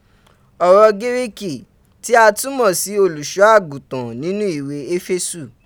Oro Giriki ti a tumo si Oluso aguntan ninu iwe Efesu